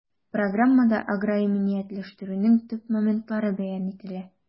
Программада агроиминиятләштерүнең төп моментлары бәян ителә.